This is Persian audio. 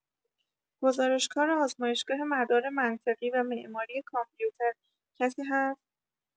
گزارش کار آزمایشگاه مدارمنطقی و معماری کامپیوتر کسی هست؟